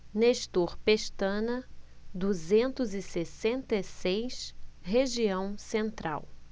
nestor pestana duzentos e sessenta e seis região central